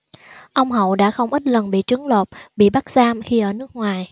ông hậu đã không ít lần bị trấn lột bị bắt giam khi ở nước ngoài